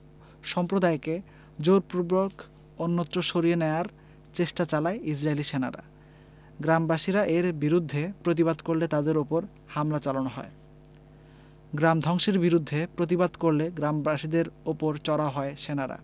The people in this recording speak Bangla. সম্প্রদায়কে জোরপূর্বক অন্যত্র সরিয়ে নেয়ার চেষ্টা চালায় ইসরাইলি সেনারা গ্রামবাসীরা এর বিরুদ্ধে প্রতিবাদ করলে তাদের ওপর হামলা চালানো হয় গ্রাম ধ্বংসের বিরুদ্ধে প্রতিবাদ করলে গ্রামবাসীদের ওপর চড়াও হয় সেনারা